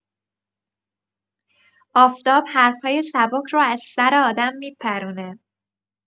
آفتاب حرف‌های سبک رو از سر آدم می‌پرونه.